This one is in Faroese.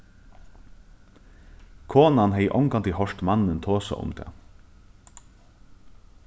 konan hevði ongantíð hoyrt mannin tosa um tað